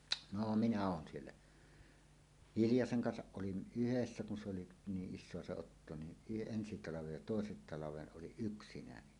no minä olen siellä Hiljasen kanssa olin yhdessä kun se oli niin isoa se otto niin - ensi talven ja toisen talven olin yksinäni